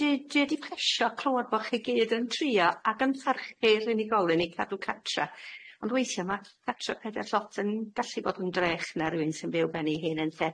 Dwi dwi dwi di plesio clywad bo' chi gyd yn trio ac yn parchu'r unigolyn i cadw catra. Ond weithia' ma' cartra peder llot yn gallu bod yn drech na rywun sy'n byw ben ei hun ynte?